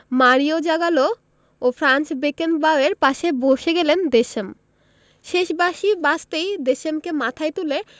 Mario Zagallo ও Franz বেকেনবাওয়ারের পাশে বসে গেলেন দেশম শেষ বাঁশি বাজতেই দেশমকে মাথায় তুলে